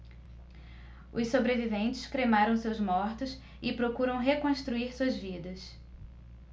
os sobreviventes cremaram seus mortos e procuram reconstruir suas vidas